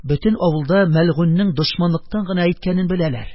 Бөтен авылда мәлгуньнең дошманлыктан гына әйткәнен беләләр.